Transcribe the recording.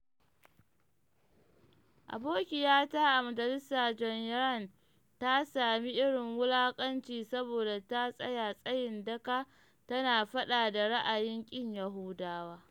Abokiyata a majalisa Joan Ryan ta sami irin wulakanci saboda ta tsaya tsayin daka tana faɗa da ra’ayin ƙin Yahudawa.